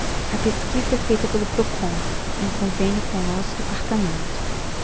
a pesquisa é feita pelo procon em convênio com o diese